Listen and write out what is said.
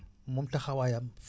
moom taxawaayam